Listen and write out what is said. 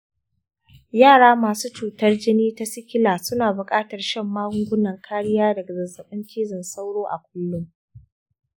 yara masu cutar jini ta sikila suna buƙatar shan magungunan kariya daga zazzabin cizon sauro a kullum.